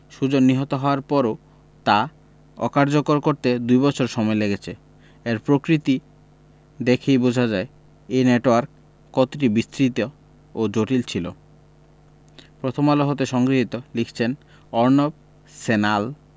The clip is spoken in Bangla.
সুজন নিহত হওয়ার পরও তা অকার্যকর করতে দুই বছর সময় লেগেছে এর প্রকৃতি দেখেই বোঝা যায় এই নেটওয়ার্ক কতটি বিস্তৃত ও জটিল ছিল প্রথম আলো হতে সংগৃহীত লিখছেন অর্ণব স্যান্যাল